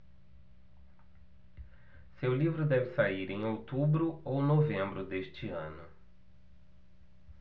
seu livro deve sair em outubro ou novembro deste ano